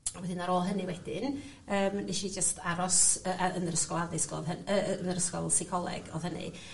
A 'dyn ar ôl hynny wedyn yym nesh i jyst aros y- yn yr ysgol Addysg on- hy- yy yn yr ysgol Seicoleg o'dd hynny.